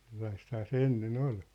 sellaistahan se ennen oli